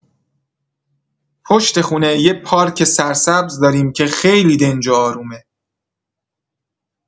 پشت خونه یه پارک سرسبز داریم که خیلی دنج و آرومه.